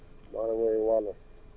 maa ngi lay woowee Waalo